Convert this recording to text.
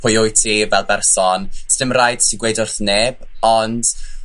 pwy wyt ti fel berson. Sdim raid ti gweud wrth neb, ond